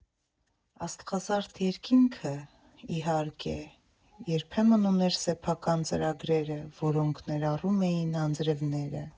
Աստղազարդ երկինքը, իհարկե, երբեմն ուներ սեփական ծրագրերը, որոնք ներառում էին անձրևներ։